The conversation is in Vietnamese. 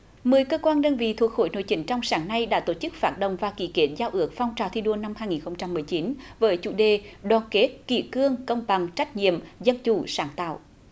mười cơ quan đơn vị thuộc khối nội chính trong sáng nay đã tổ chức phát động và ký kết giao ước phong trào thi đua năm hai nghìn không trăm mười chín với chủ đề đoàn kết kỷ cương công bằng trách nhiệm dân chủ sáng tạo